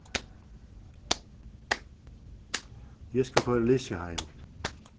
eg skal koyra lisu heim